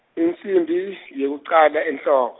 insimbi, yokucala enhlok-.